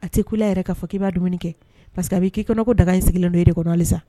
A tɛ ku i la yɛrɛ k'a fɔ k i b'a dumuni kɛ parce que a bɛ k'i kɔnɔ ko daga in sigilen don i kɔnɔ hali sisan